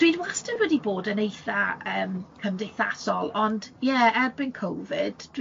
dwi wastad wedi bod yn eitha yym cymdeithasol, ond ie, erbyn